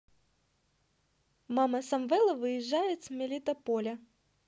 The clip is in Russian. мама самвела выезжает с мелитополя